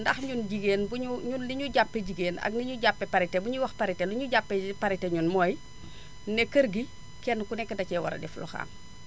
ndax ñun jigéen buñu ñun li ñu jàppee jigéen ak li ñu jàppee parité bu ñuy wax parité li ñuy jàppee parité ñun mooy ne kër gi kenn ku nekk dacee war a def loxaam